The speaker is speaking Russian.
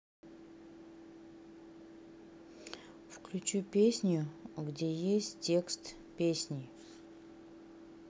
включи песню где есть текст песни